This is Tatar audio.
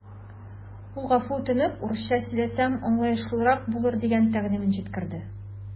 Ул гафу үтенеп, урысча сөйләсәм, аңлаешлырак булыр дигән тәкъдимен җиткерде.